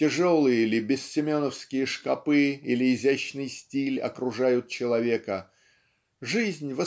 тяжелые ли безсеменовские шкапы или изящный стиль окружают человека жизнь